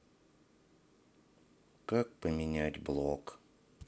как поменять блок